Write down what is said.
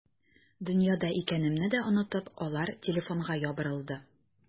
Дөньяда икәнемне дә онытып, алар телефонга ябырылды.